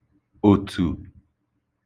òtù